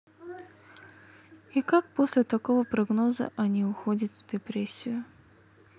и как после такого прогноза они уходить в депрессию